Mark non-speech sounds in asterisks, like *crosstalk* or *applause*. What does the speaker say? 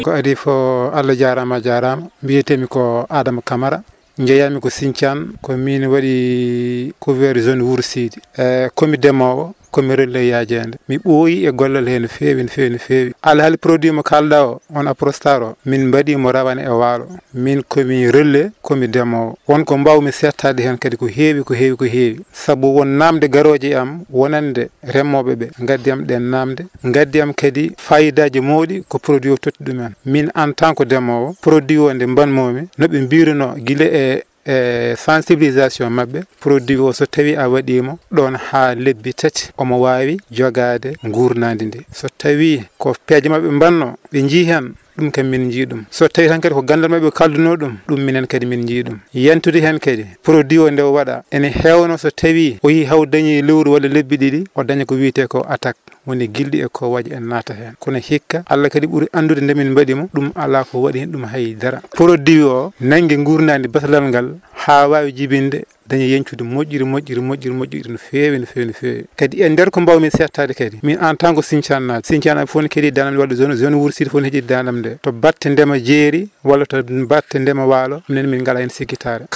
ko adi fo Allah jaarama a jaarama biyetemi ko Adama Camara jeeyami ko Sinthiane komin waɗi couvert zone Wouro Sidi *hesitation* komi ndeemowo komi relais yajede mi ɗooyi e gollal he no fewi no fewi no fewi alhali produit mo kalɗa o woni Aprostar o min baɗimo rawane e walo min komi relais komi ndeemowo wonko mbawmi settade hen kadi ko hewi ko hewi ko hewi saabu won namde garoje e am wonande remoɓeɓe gaddi e am ɓen namde gaddi e am kadi fayidaji mawɗi ko produit totti ɗumen min en tant que produit nde batmomi noɓe biruno guila e e sensibilisation mabɓe produit o so tawi a waɗimo ɗon ha lebbi tati omo wawi jogade guurnadidi so tawi ko peeje mabɓe ɓe banno ɓe jii hen ɗum kam min jiiɗum so tawi tan kadi ko gando mabɓe ɓe kalduno ɗum ɗum minen kadi min jiiɗum yentude hen kadi produit o nde o waɗa ene hewno so tawi o yeehi hawo dañi lewru walla lebbe ɗiɗi odaña ko wiyeteko attaque woni guilɗi e kowoje en nata hen kono hikka Allah kadi ɓuuri andude nde min baɗimo ɗum ala ko waɗi hen ɗum haydara produit o naggui guurnadi basalal ngal ha wawi jiibinde dañi yencudi moƴƴiri moƴƴiri moƴƴiri moƴƴiri no fewi no fewi no fewi kadi e nder ko bawmi settade kadi min en tant que Sinthiane najo Sinthiane naɓe foof ne keeɗi dadam nde wadde jeune jeune Wouro Sidi foof ne heeɗi dadam nde to batte ndeema jeeri walla to batte ndeema walo minen min gala hen sikkitare